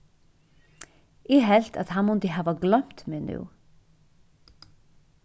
eg helt at hann mundi hava gloymt meg nú